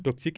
toxique